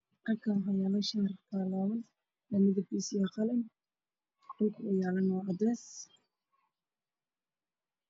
Waa shati midabkiisu yahay caddaan oo saaran miis midabkiisu yahay qaxooy